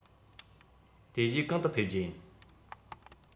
དེ རྗེས གང དུ ཕེབས རྒྱུ ཡིན